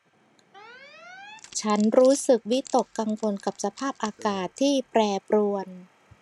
ฉันรู้สึกวิตกกังวลกับสภาพอากาศที่แปรปรวน